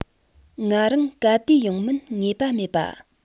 ང རང ག དུས ཡོང མིན ངེས པ མེད པ